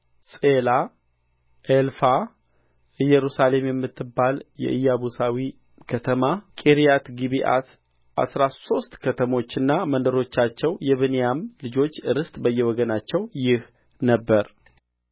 ጼላ ኤሌፍ ኢየሩሳሌም የምትባል የኢያቡስ ከተማ ቂርያትጊብዓት አሥራ ሦስት ከተሞችና መንደሮቻቸው የብንያም ልጆች ርስት በየወገኖቻቸው ይህ ነበረ